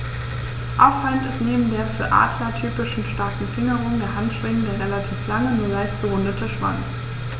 Auffallend ist neben der für Adler typischen starken Fingerung der Handschwingen der relativ lange, nur leicht gerundete Schwanz.